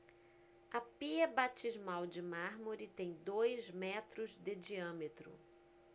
a pia batismal de mármore tem dois metros de diâmetro